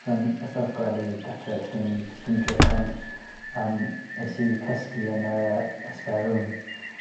so yn ystafell gwely gatre sdim do's dim drych ond yym esi i cysgu yn yr yy y spare room.